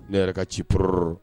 Ne yɛrɛ ka ciɔ